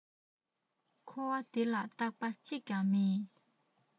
འཁོར བ འདི ལ རྟག པ གཅིག ཀྱང མེད